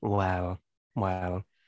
Wel, wel.